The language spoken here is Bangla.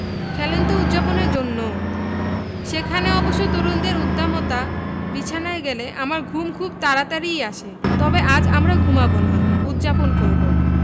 খেলেন তো উদ্ যাপনের জন্যও সেখানে অবশ্য তরুণের উদ্দামতা বিছানায় গেলে আমার ঘুম খুব তাড়াতাড়িই আসে তবে আজ আমরা ঘুমাব না উদ্ যাপন করব